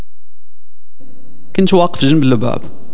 كنت واقف جنب الباب